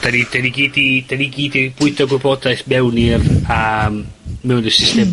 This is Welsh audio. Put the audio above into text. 'dan ni 'dan ni gyd 'di 'dan ni gyd 'di bwydo gwybodaeth mewn i'r, yym, mewn i'r system